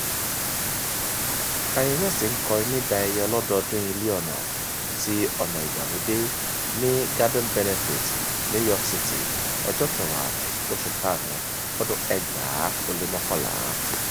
Kanye West ń kọrin níbi ayẹyẹ ọlọ́dọọdún Ilé-ọnà ti Ọnà Ìgbàlódé ní Garden benefit, New York City, ọjọ́ 10, oṣù karùn-ún, 2011.